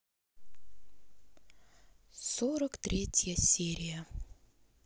сорок третья серия